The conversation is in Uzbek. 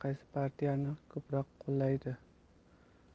qaysi partiyani ko'proq qo'llaydi